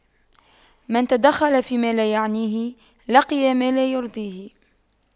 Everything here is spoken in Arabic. من تَدَخَّلَ فيما لا يعنيه لقي ما لا يرضيه